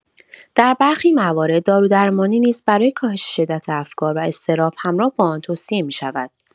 در برخی موارد، دارودرمانی نیز برای کاهش شدت افکار و اضطراب همراه با آن توصیه می‌شود.